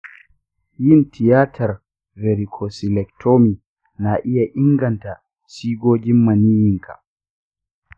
yin tiyatar varicocelectomy na iya inganta sigogin maniyyinka.